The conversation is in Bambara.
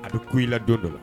A bɛ ko ila dɔ dɔ